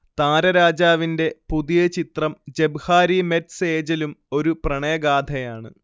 താരരാജാവിന്റെ പുതിയ ചിത്രം Jab Harry met സേജലും ഒരു പ്രണയഗാഥയാണ്